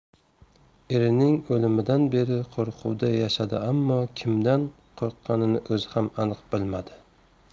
erining o'limidan beri qo'rquvda yashadi ammo kimdan qo'rqqanini o'zi ham aniq bilmadi